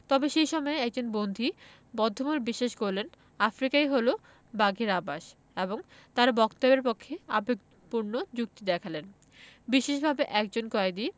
তবে সে সময়ে কয়েকজন বন্দী বদ্ধমূল বিশ্বাস করলেন আফ্রিকাই হলো বাঘের আবাস এবং তারা বক্তব্যের পক্ষে আবেগপূর্ণ যুক্তি দেখালেন বিশেষভাবে একজন কয়েদি